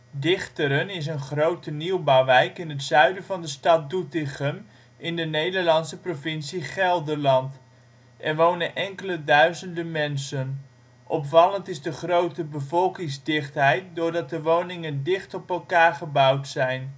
Dichteren is een grote nieuwbouwwijk in het zuiden van de stad Doetinchem in de Nederlandse provincie Gelderland. Er wonen enkele duizenden mensen. Opvallend is de grote bevolkingsdichtheid doordat de woningen dicht op elkaar gebouwd zijn